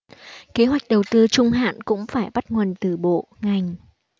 kế hoạch đầu tư trung hạn cũng phải bắt nguồn từ bộ ngành